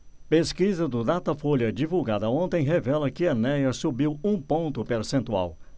pesquisa do datafolha divulgada ontem revela que enéas subiu um ponto percentual